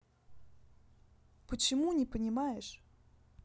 почему не понимаешь